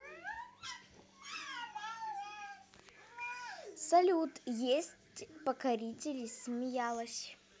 салют есть покорители смеялась